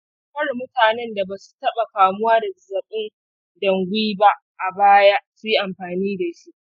kar mutanen da ba su taɓa kamuwa da zazzabin dengue ba a baya su yi amfani da shi.